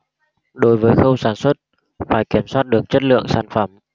đối với khâu sản xuất phải kiểm soát được chất lượng sản phẩm